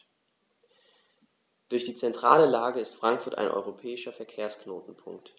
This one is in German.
Durch die zentrale Lage ist Frankfurt ein europäischer Verkehrsknotenpunkt.